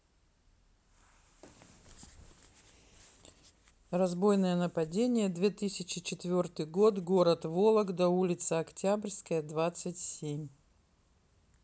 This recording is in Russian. разбойное нападение две тысячи четвертый год город вологда улица октябрьская двадцать семь